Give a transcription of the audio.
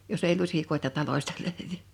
jos ei lusikoita talosta löydy